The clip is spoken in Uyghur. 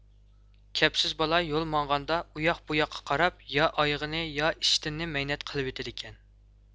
كەپسىز بالا يول ماڭغاندا ئۇياق بۇياققا قاراپ يا ئايىغىنى يا ئىشتىنىنى مەينەت قىلىۋېتىدىكەن